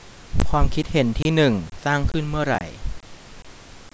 ความคิดเห็นที่หนึ่งสร้างขึ้นเมื่อไร